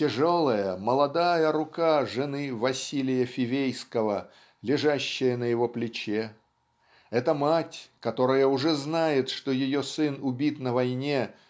тяжелая молодая рука жены Василия Фивейского лежащая на его плече эта мать которая уже знает что ее сын убит на войне